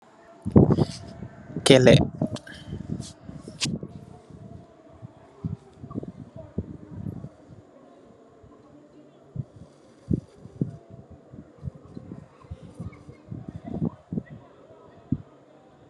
Amb kellela bouy nite yii di jeffedekouwaye la